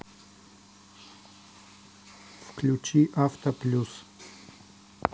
включи авто плюс